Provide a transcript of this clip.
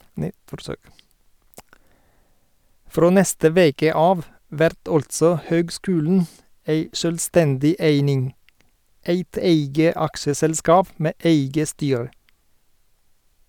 Frå neste veke av vert altså høgskulen ei sjølvstendig eining, eit eige aksjeselskap med eige styre.